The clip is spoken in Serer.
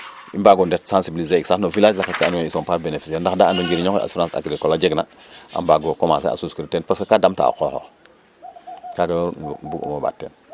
i mbaag o ndet sensibliser ik sax no village lakas ke andoona yee ils sont pas bénéficiaire ndax da andooyo o njiriñ onge assurance agricole ajegna a mbaag o commencer a souscrire ten parce que ka damta o qooxoox kaaga yo bug'um o ɓaat teen